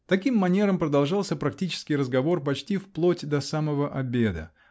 Таким манером продолжался практический разговор почти вплоть до самого обеда.